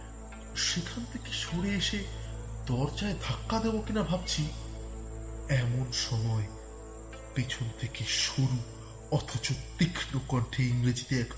সেখান থেকে সরে এসে দরজা ধাক্কা দেবো কিনা ভাবছি এমন সময় পেছন থেকে সরু অথচ তীক্ষ্ন কন্ঠে ইংরেজিতে এক